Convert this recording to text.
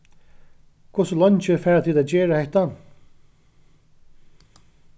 hvussu leingi fara tit at gera hetta